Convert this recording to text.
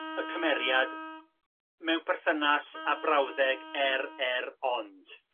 y cymeriad mewn perthynas a brawddeg er er ond.